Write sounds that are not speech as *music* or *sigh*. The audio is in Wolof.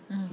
*hesitation* *hesitation*